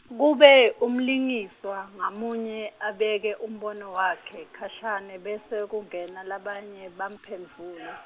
kube umlingiswa ngamunye abeke umbono wakhe khashane bese kungena labanye bamphendvule.